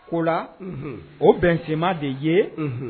Ko la o bɛnsenma de ye